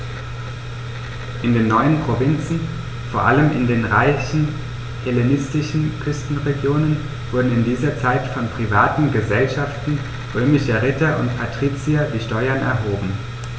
In den neuen Provinzen, vor allem in den reichen hellenistischen Küstenregionen, wurden in dieser Zeit von privaten „Gesellschaften“ römischer Ritter und Patrizier die Steuern erhoben.